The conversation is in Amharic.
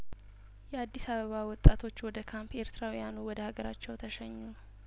የአዲስ አበባ ወጣቶች ወደ ካምፕ ኤርትራውያኑ ወደ አገራቸው ተሸኙ